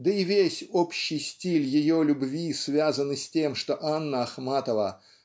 да и весь общий стиль ее любви связаны с тем что Анна Ахматова